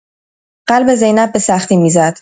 قلب زینب به‌سختی می‌زد.